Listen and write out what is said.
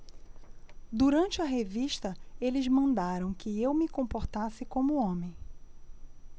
durante a revista eles mandaram que eu me comportasse como homem